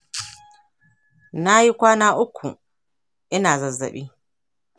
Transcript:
na yi kwana uku ina zazzabi